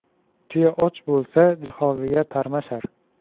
tuya och bo'lsa jihoziga tarmashar